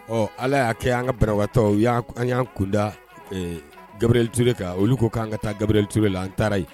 Ɔ ala y'a kɛ' an ka barawatɔ an y'an kunda gabrituur kan olu ko k'an ka taa gabrituur la an taara yen